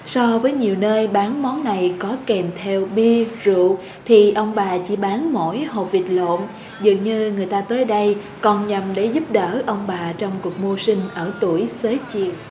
so với nhiều nơi bán món này có kèm theo bia rượu thì ông bà chỉ bán mỗi hột vịt lộn dường như người ta tới đây còn nhằm để giúp đỡ ông bà trong cuộc mưu sinh ở tuổi xế chiều